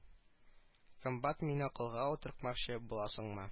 Комбат мине акылга утыртмакчы буласыңмы